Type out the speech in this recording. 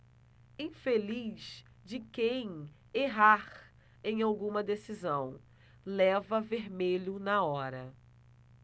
infeliz de quem errar em alguma decisão leva vermelho na hora